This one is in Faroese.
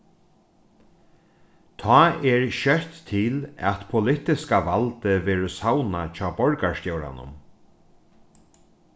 tá er skjótt til at politiska valdið verður savnað hjá borgarstjóranum